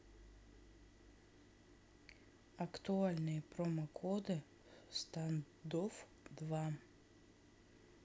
актуальные промокоды в standoff два